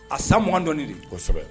A san mugandɔɔni kosɛbɛ